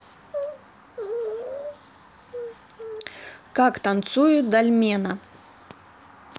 как танцуют дольмена